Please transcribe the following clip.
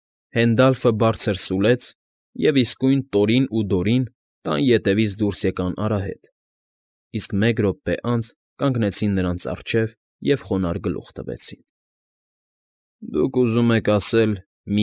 Հենդալֆը բարձր սուլեց, և իսկույն Տորին ու դորին տան ետևից դուս եկան արահետ, իսկ մեկ րոպե անց կանգնեցին նրանց առջև և խոնարհ գլուխ տվեցին։ ֊ Դուք ուզում եք ասել՝ մի։